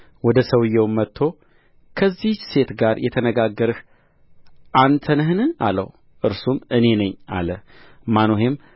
ወደ ሰውዮውም መጥቶ ከዚህች ሴት ጋር የተነጋገርህ አንተ ነህን አለው እርሱም እኔ ነኝ አለ ማኑሄም